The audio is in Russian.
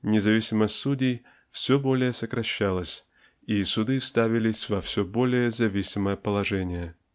независимость судей все более сокращалась и суды ставились во все более зависимое положение.